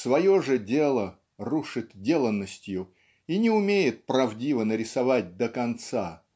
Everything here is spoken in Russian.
свое же дело рушит деланностью и не умеет правдиво нарисовать до конца